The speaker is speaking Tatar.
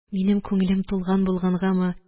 Минем күңелем тулган булгангамы